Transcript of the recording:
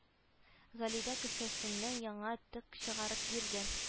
Залидә кесәсеннән яңа төк чыгарып бирде